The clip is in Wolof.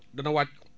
dana wàcc